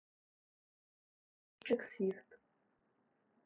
разработчик свифт